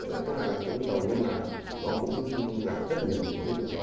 tức là tương đối giàu nhưng mà nó cũng gặp rất nhiều những cái rủi ro